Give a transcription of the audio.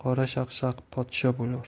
qorashaqshaq podsho bo'lur